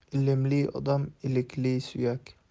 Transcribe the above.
ilmli odam ilikli suyak